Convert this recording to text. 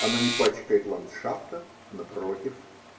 Оно не пачкает ландшафта, напротив.